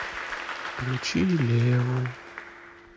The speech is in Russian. включи леву